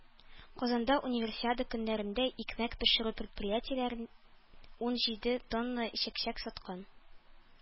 Казанда Универсиада көннәрендә икмәк пешерү предприятиеләре ун җиде тонна чәк-чәк саткан.